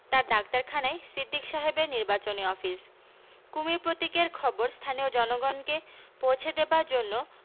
তাঁর ডাক্তারখানাই সিদ্দিক সাহেবের নির্বাচনী অফিস কুমীর প্রতীকের খবর স্থানীয় জনগণকে পৌঁছে দেবার জন্য